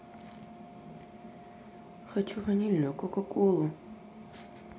хочу ванильную кока колу